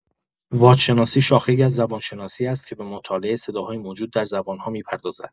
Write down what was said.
واج‌شناسی شاخه‌ای از زبان‌شناسی است که به مطالعۀ صداهای موجود در زبان‌ها می‌پردازد.